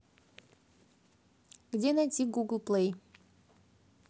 где найти гугл плей